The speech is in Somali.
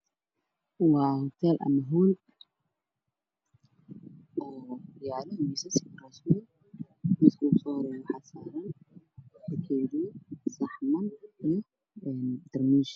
Waa hoteel ama hool oo yaalo miisas iyo kuraasi miiskan usoo horeeyo waxa saaran bakeeri iyo saxano iyo darmiish